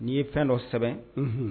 N'i ye fɛn dɔ sɛbɛn